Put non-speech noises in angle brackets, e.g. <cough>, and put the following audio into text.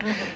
<breath> <hesitation> <hesitation>